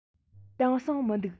དེང སང མི འདུག